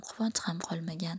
quvonch ham qolmagan